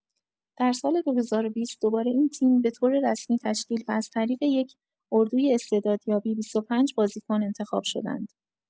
در سال ۲۰۲۰، دوباره این تیم به‌طور رسمی تشکیل و از طریق یک اردوی استعدادیابی، ۲۵ بازیکن انتخاب شدند.